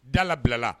Da labilala